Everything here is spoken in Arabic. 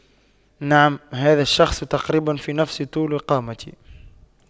نعم هذا الشخص تقريبا في نفس طول قامتي